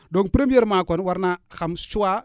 donc premièrement kon war naa xam choix